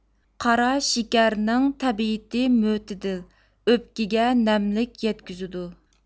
قاراشېكەرنىڭ تەبىئىتى مۆتىدىل ئۆپكىگە نەملىك يەتكۈزىدۇ